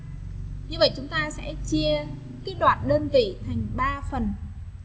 chia cái đoạn đơn vị thành phần